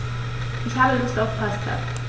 Ich habe Lust auf Pasta.